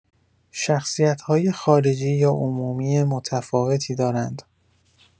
شخصیت‌های خارجی یا عمومی متفاوتی دارند.